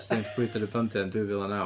Wnes ti ennill Brwydr y Bandiau yn dwy fil a naw.